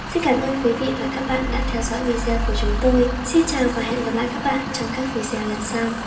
xin cảm ơn quý vị và các bạn đã theo dõi video của chúng tôi xin chào và hẹn gặp lại các bạn trong các video lần sau